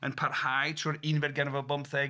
Yn parhau trwy'r unfed ganrif ar bymtheg.